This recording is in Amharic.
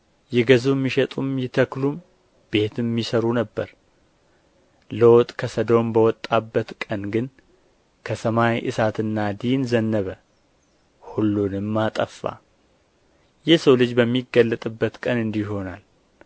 ይገዙም ይሸጡም ይተክሉም ቤትም ይሠሩ ነበር ሎጥ ከሰዶም በወጣበት ቀን ግን ከሰማይ እሳትና ዲን ዘነበ ሁሉንም አጠፋ የሰው ልጅ በሚገለጥበት ቀን እንዲሁ ይሆናል